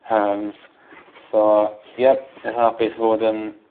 Yym so ie eitha hapus fod yn